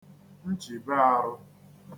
nchìbeārụ̄